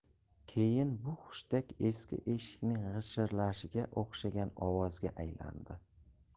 keyin bu hushtak eski eshikning g'ijirlashiga o'xshagan ovozga aylandi